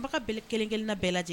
Baele kelen kelen bɛɛ lajɛ lajɛlen